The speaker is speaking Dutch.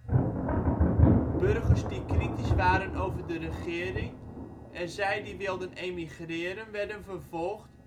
Burgers die kritisch waren over de regering en zij die wilden emigreren werden vervolgd